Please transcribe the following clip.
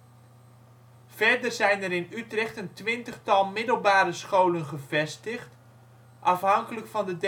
Verder zijn er in Utrecht een twintigtal middelbare scholen gevestigd (afhankelijk van de